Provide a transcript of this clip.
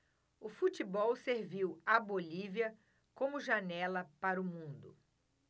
o futebol serviu à bolívia como janela para o mundo